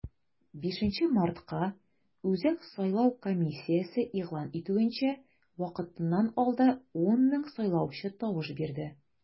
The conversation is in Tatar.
5 мартка, үзәк сайлау комиссиясе игълан итүенчә, вакытыннан алда 10 мең сайлаучы тавыш бирде.